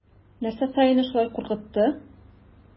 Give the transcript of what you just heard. Нәрсә саине шулай куркытты?